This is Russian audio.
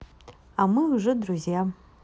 а мы уже друзья